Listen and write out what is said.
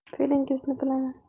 felingizni bilaman